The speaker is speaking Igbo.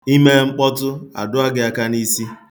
I mee mkpọtụ, a dụọ gị aka isi.